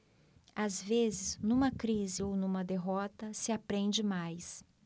às vezes numa crise ou numa derrota se aprende mais